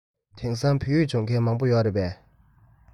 དེང སང བོད ཡིག སྦྱོང མཁན མང པོ ཡོད རེད པས